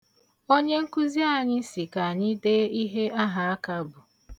Onye nkuzi anyị sị ka anyị de ihe ahaaka bụ.